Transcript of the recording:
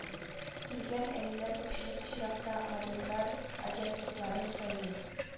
Килгән әниләр күпчелек очракта модельләр агентлыкларын сайлый